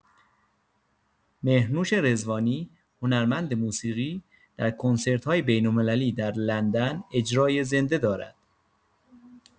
مهرنوش رضوانی، هنرمند موسیقی، در کنسرت‌های بین‌المللی در لندن اجرای زنده دارد.